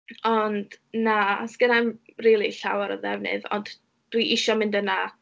Ond na, 'sgenna i'm rili llawer o ddefnydd, ond dwi isio mynd yna.